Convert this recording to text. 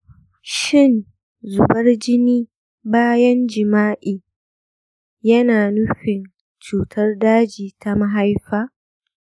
shin zubar jini bayan jima’i yana nufin cutar daji ta mahaifa?